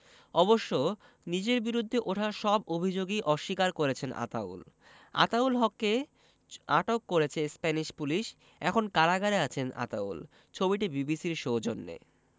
অবশ্য নিজের বিরুদ্ধে ওঠা সব অভিযোগই অস্বীকার করেছেন আতাউল আতাউল হককে আটক করেছে স্প্যানিশ পুলিশ এখন কারাগারে আছেন আতাউল ছবিটি বিবিসির সৌজন্যে